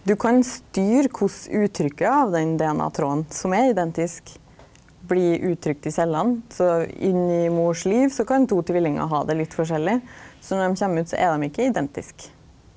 du kan styra korleis uttrykket av den DNA-tråden som er identisk blir uttrykt i cellene, så inni mors liv så kan to tvillingar ha det litt forskjellig, så når dei kjem ut så er dei ikkje identisk.